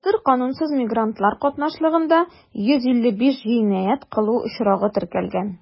Былтыр канунсыз мигрантлар катнашлыгында 155 җинаять кылу очрагы теркәлгән.